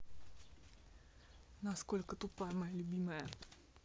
насколько тупая моя любимая